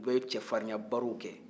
u bɛ cɛfarinya barow kɛ